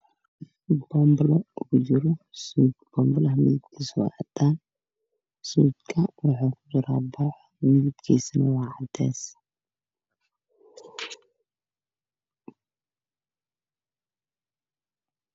Waa boombale kujiro suud midabkiisa waa cadaan suudkana waa cadees